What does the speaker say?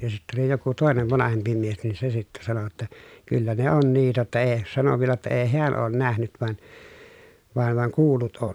ja sitten oli joku toinen vanhempi mies niin se sitten sanoi jotta kyllä ne on niitä että ei sanoi vielä että ei hän ole nähnyt vaan vaan vaan kuullut on